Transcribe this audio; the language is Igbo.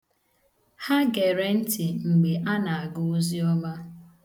Ha gere ntị mgbe a na-agụ oziọma.